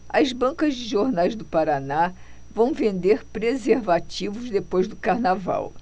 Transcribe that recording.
as bancas de jornais do paraná vão vender preservativos depois do carnaval